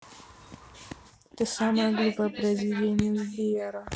ты самая глупое произведение сбера